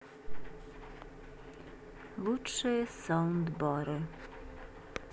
лучшие саундбары